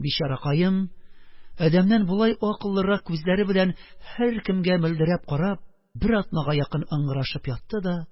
Бичаракаем, адәмнән болай акыллырак күзләре белән һәркемгә мөлдерәтеп карап, бер атнага якын ыңгырашып ятты да